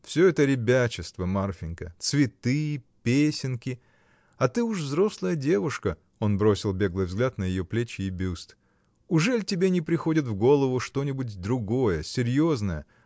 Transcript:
— Всё это ребячество, Марфинька: цветы, песенки, а ты уж взрослая девушка, — он бросил беглый взгляд на ее плечи и бюст, — ужели тебе не приходит в голову что-нибудь другое, серьезное?